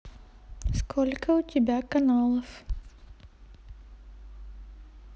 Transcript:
сколько у тебя каналов